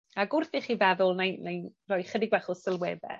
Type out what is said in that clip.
Ag wrth i chi feddwl nâi nâi rhoi chydig bach o sylwedde.